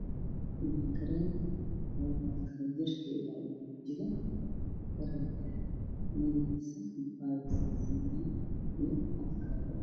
Waa kareen la marsado jirka karenga wuxuu ku sameysan yahay karoota iyo afkaadho